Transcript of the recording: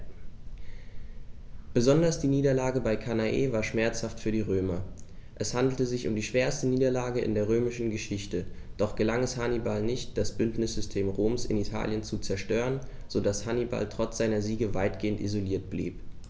Besonders die Niederlage bei Cannae war schmerzhaft für die Römer: Es handelte sich um die schwerste Niederlage in der römischen Geschichte, doch gelang es Hannibal nicht, das Bündnissystem Roms in Italien zu zerstören, sodass Hannibal trotz seiner Siege weitgehend isoliert blieb.